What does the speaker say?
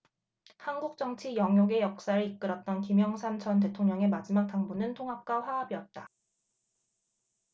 한국정치 영욕의 역사를 이끌었던 김영삼 전 대통령의 마지막 당부는 통합과 화합이었다